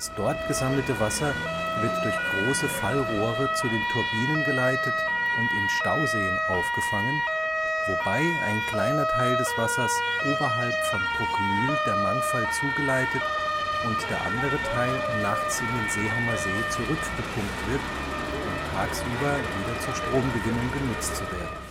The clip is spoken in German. dort gesammelte Wasser wird durch große Fallrohre zu den Turbinen geleitet und in Stauseen aufgefangen, wobei ein kleiner Teil des Wassers oberhalb von Bruckmühl der Mangfall zugeleitet und der andere Teil nachts in den Seehamer See zurückgepumpt wird, um tagsüber wieder zur Stromgewinnung genutzt zu werden